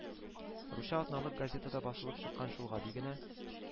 Русча атналык газетада басылып чыккан шул гади генә